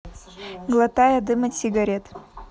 глотая дым от сигарет